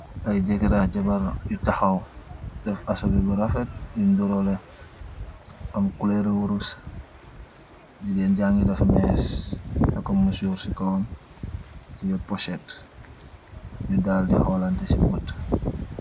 Ay jekarr ra jabar yu taxaw def asobi bu rafet yun ndurole am kulereurus jigeen njangi def mees takomusur ci kawam tie pochet nyu dal di holanteh ci bot.